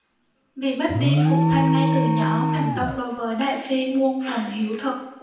vì mất đi phụ thân ngay từ nhỏ thành tông đối với đại phi muôn phần hiếu thuận